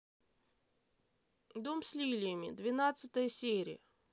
дом с лилиями двенадцатая серия